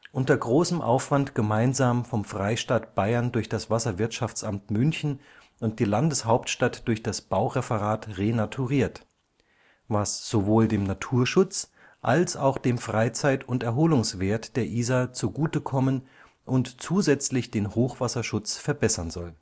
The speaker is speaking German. unter großem Aufwand gemeinsam vom Freistaat Bayern durch das Wasserwirtschaftsamt München und die Landeshauptstadt durch das Baureferat renaturiert, was sowohl dem Naturschutz als auch dem Freizeit - und Erholungswert der Isar zugutekommen und zusätzlich den Hochwasserschutz verbessern soll